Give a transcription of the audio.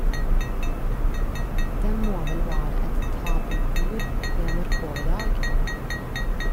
- Det må vel være et tabuord i NRK i dag?